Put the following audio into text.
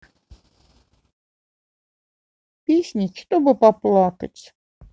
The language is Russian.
песни чтобы поплакать